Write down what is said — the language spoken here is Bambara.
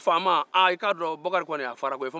u ko faama bakari fara koyi